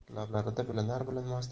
lablarida bilinar bilinmas